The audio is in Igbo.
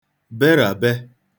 beràba